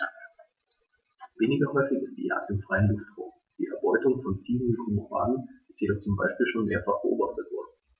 Weniger häufig ist die Jagd im freien Luftraum; die Erbeutung von ziehenden Kormoranen ist jedoch zum Beispiel schon mehrfach beobachtet worden.